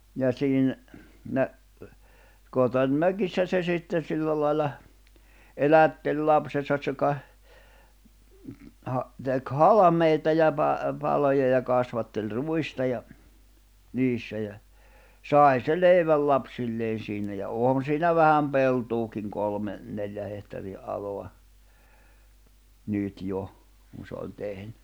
ja - siinä kotona mökissä se sitten sillä lailla elätti lapsensa se -- teki halmeita ja - paloja ja kasvatteli ruista ja niissä ja sai se leivän lapsilleen siinä ja on siinä vähän peltoakin kolme neljä hehtaarin alaa nyt jo kun se oli tehnyt